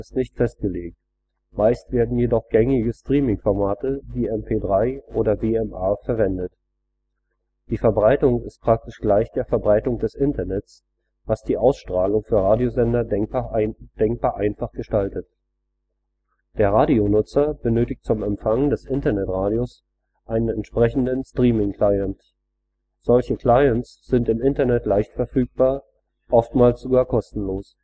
nicht festgelegt; meist werden jedoch gängige Streaming-Formate wie MP3 oder WMA verwendet. Die Verbreitung ist praktisch gleich der Verbreitung des Internets, was die „ Ausstrahlung “für Radiosender denkbar einfach gestaltet. Der Radionutzer benötigt zum Empfang des Internetradios einen entsprechenden Streaming-Client. Solche Clients sind im Internet leicht verfügbar, oftmals sogar kostenlos